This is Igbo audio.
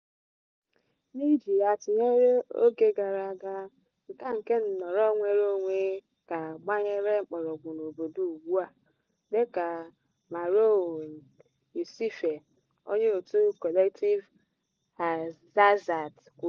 "N'iji ya tụnyere oge gara aga, nkà nke nnọrọ nwere onwe kà gbanyere mkpọrọgwụ n'obodo ugbua," : Dịka Marouane Youssoufi, onye òtù Collectif Hardzazat kwuru.